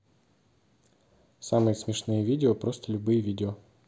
самые смешные видео просто любые видео